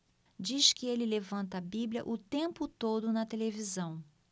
diz que ele levanta a bíblia o tempo todo na televisão